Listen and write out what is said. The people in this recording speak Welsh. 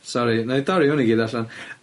Sori, wnâi dorri hwn i gyd allan.